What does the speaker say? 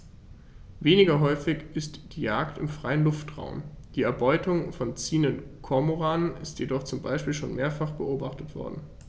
Weniger häufig ist die Jagd im freien Luftraum; die Erbeutung von ziehenden Kormoranen ist jedoch zum Beispiel schon mehrfach beobachtet worden.